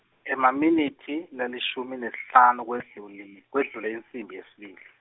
Emaminitsi lalishumi nesihlanu kwesdluli- kwendlule insimbi yesibili.